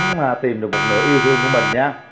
tìm được một nửa yêu thương của mình nha